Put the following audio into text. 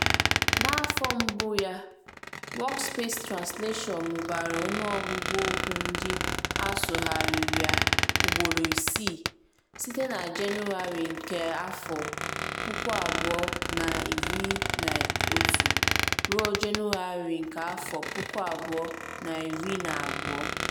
N’afọ mbụ ya, Workspace Translation mụbara ọnụ ọgụgụ okwu ndị a sụgharịrị ugboro isii (site na Jenụwarị 2011 ruo Jenụwarị 2012).